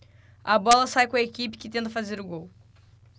a bola sai com a equipe que tenta fazer o gol